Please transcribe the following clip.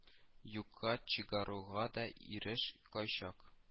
Юкка чыгаруга да ирешә кайчак